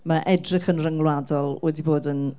Mae edrych yn ryngwladol wedi bod yn